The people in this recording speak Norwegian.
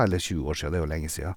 Eller, tjue år sia, det er jo lenge sia.